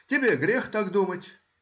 тебе грех так думать.